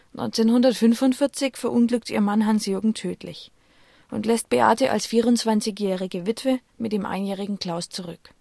1945 verunglückt ihr Mann Hans-Jürgen tödlich und lässt Beate als 24jährige Witwe mit dem einjährigen Klaus zurück